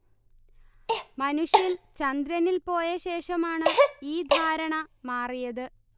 മനുഷ്യൻ ചന്ദ്രനിൽ പോയ ശേഷമാണ് ഈ ധാരണ മാറിയത്